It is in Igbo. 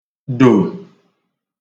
dò